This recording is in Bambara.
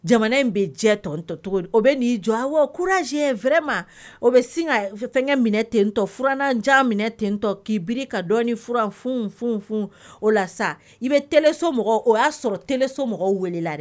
Jamana in bɛ jɛ tɔtɔ cogo o bɛ'i jɔ a kurauranjɛe fɛrɛɛrɛ ma o bɛ sin ka fɛngɛ minɛ tentɔ furananjan minɛ tentɔ k'i bi ka dɔni ffin f f o la sa i bɛ tso mɔgɔ o y'a sɔrɔ tso mɔgɔ weelela dɛ